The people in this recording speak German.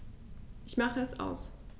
Ich mache es aus.